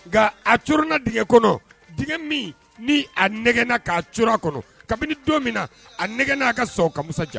Nka a coron na dingɛ kɔnɔ d min ni a nɛgɛna k'a coron a kɔnɔ kabini don min na a nɛgɛ n' a ka sɔn